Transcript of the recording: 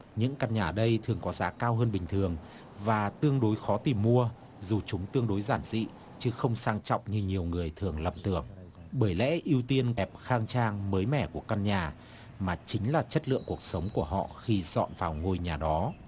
những căn nhà ở đây thường có giá cao hơn bình thường và tương đối khó tìm mua dù chúng tương đối giản dị chứ không sang trọng như nhiều người thường lầm tưởng bởi lẽ ưu tiên đẹp khang trang mới mẻ của căn nhà mà chính là chất lượng cuộc sống của họ khi dọn vào ngôi nhà đó